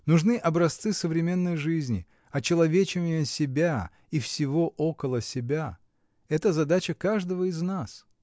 Нужны образцы современной жизни, очеловечивания себя и всего около себя. Это задача каждого из нас.